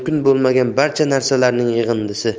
mumkin bo'lgan barcha narsalarning yig'indisi